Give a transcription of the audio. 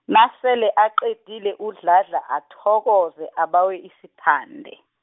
nasele aqedile uDladla athokoze, abawe isiphande.